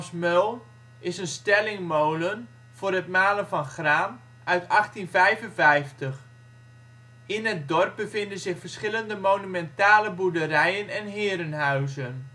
Meuln is een stellingmolen voor het malen van graan uit 1855. In het dorp bevinden zich verschillende monumentale boerderijen en herenhuizen